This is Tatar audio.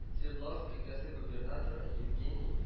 Свердловск өлкәсе губернаторы Евгений